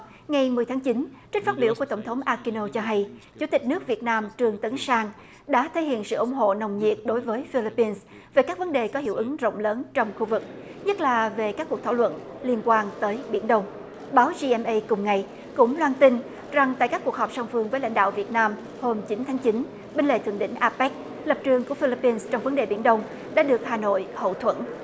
ngày mười tháng chín trích phát biểu của tổng thống a ki nô cho hay chủ tịch nước việt nam trương tấn sang đã thể hiện sự ủng hộ nồng nhiệt đối với phi líp pin về các vấn đề có hiệu ứng rộng lớn trong khu vực nhất là về các cuộc thảo luận liên quan tới biển đông báo xi en ây cùng ngày cũng loan tin rằng tại các cuộc họp song phương với lãnh đạo việt nam hôm chín tháng chín bên lề thượng đỉnh a pếch lập trường của phi líp pin trong vấn đề biển đông đã được hà nội hậu thuẫn